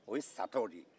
o ye sataw de ye